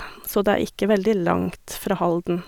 Så det er ikke veldig langt fra Halden.